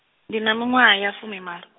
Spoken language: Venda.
ndi na miṅwaha ya fumimalo.